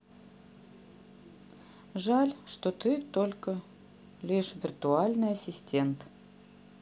жаль что ты только лишь виртуальный ассистент